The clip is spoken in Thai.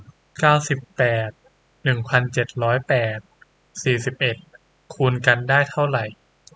เก้าสิบแปดหนึ่งพันเจ็ดร้อยแปดสี่สิบเอ็ดคูณกันได้เท่าไหร่